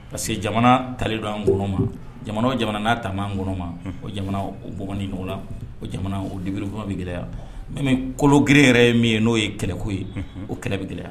Parce que jamana talendon an kɔnɔma jamana jamana n'a taan kɔnɔma o ɲɔgɔnla o o degbru bɛ gɛlɛya yan mɛ kolo g yɛrɛ ye min ye n'o ye kɛlɛko ye o kɛlɛ bɛ gɛlɛya yan